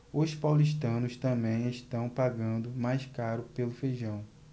os paulistanos também estão pagando mais caro pelo feijão